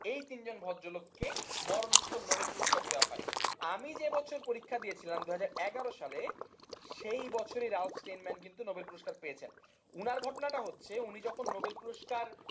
এই তিনজন ভদ্রলোক কে মরণোত্তর নোবেল পুরস্কার দেওয়া হয় আমি যে বছর পরীক্ষা দিয়েছিলাম 2011 সালে সেই বছরই কিন্তু রালফ স্টেইন ম্যান নোবেল পুরস্কার পেয়েছেন উনার ঘটনাটা হচ্ছে তিনি যখন নোবেল পুরস্কার